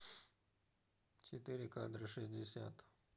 четыре кадра шестьдесят